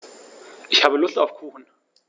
Ich habe Lust auf Kuchen.